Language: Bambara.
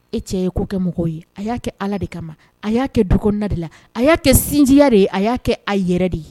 E cɛ ye' kɛ mɔgɔw ye a y'a kɛ ala de kama ma a y'a kɛ du na de la a y'a kɛ sinjiya de ye a y'a kɛ a yɛrɛ de ye